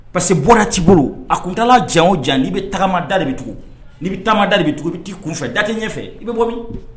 Parce que bɔra'i bolo a kunta jan jan n'i bɛ tagama da de bɛ tugun n bɛ taga dalen bɛ i bɛ' kun fɛ i daki ɲɛfɛ i bɛ bɔ min